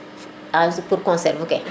a pour conserve ke